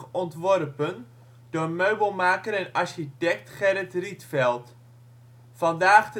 ontworpen door meubelmaker en architect Gerrit Rietveld. Vandaag